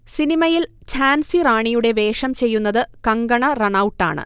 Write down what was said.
സിനിമയിൽ ഝാൻസി റാണിയുടെ വേഷം ചെയ്യുന്നത് കങ്കണ റണൗട്ടാണ്